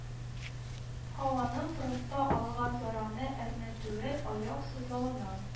Һаваның фронтта алган яраны әрнетүе, аяк сызлавына